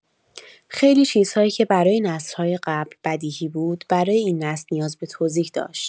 خیلی چیزهایی که برای نسل‌های قبل بدیهی بود، برای این نسل نیاز به توضیح داشت.